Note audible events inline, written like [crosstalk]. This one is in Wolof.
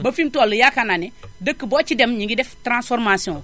ba fi mu toll yaakaar naa ne [noise] dëkk boo ci dem ñu ngi def transformation [noise]